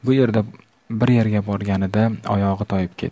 bu yerga borganda oyog'i toyib ketdi